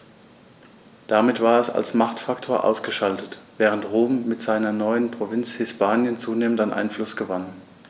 Damit war es als Machtfaktor ausgeschaltet, während Rom mit seiner neuen Provinz Hispanien zunehmend an Einfluss gewann.